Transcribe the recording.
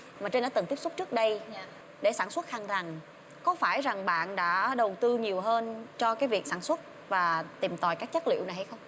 mình trinh đã từng tiếp xúc trước đây để sản xuất khăn rằn có phải rằng bạn đã đầu tư nhiều hơn cho cái việc sản xuất và tìm tòi các chất liệu này hay không